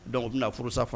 Dɔnku bɛna furu sanfɛ fara